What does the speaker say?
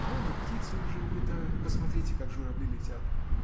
Вон и птицы уже улетают, — посмотрите, как журавли летят!